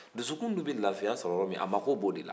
dusukun bɛ lafiya sɔrɔ yɔrɔ min a mako b'o de la